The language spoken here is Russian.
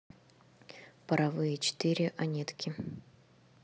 паровые четыре онетки